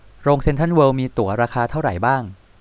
โรงเซ็นทรัลเวิลด์มีตั๋วราคาเท่าไหร่บ้าง